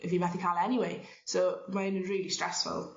fi methu ca'l anyway so mae'n rili stressful